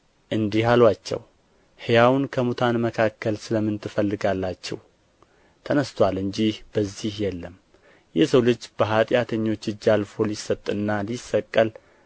እንዲህ አሉአቸው ሕያውን ከሙታን መካከል ስለ ምን ትፈልጋላችሁ ተነሥቶአል እንጂ በዚህ የለም የሰው ልጅ በኃጢአተኞች እጅ አልፎ ሊሰጥና ሊሰቀል